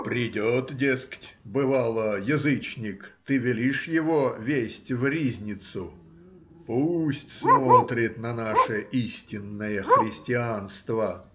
придет, дескать, бывало, язычник, ты велишь его весть в ризницу,— пусть смотрит на наше истинное христианство.